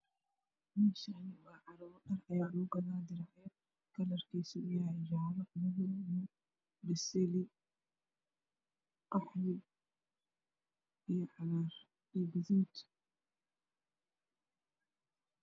Meeshaani waa carwo kalarkisa yahay basali qaxwi cagaar iyo guduud